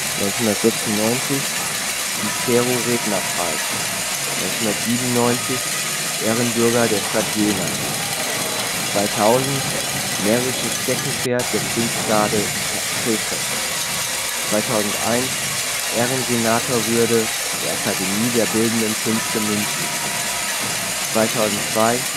1996 – Cicero-Rednerpreis 1997 – Ehrenbürger der Stadt Jena 2000 – Närrisches Steckenpferd der Prinzengarde Krefeld 2001 – Ehrensenatorenwürde der Akademie der Bildenden Künste München 2002